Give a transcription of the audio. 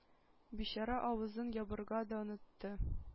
Бичара, авызын ябарга да онытты.